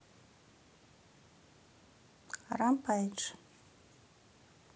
rampage